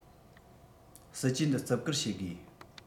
སྲིད ཇུས འདི བརྩི བཀུར བྱེད དགོས